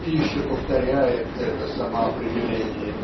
и еще повторяет это самоопределение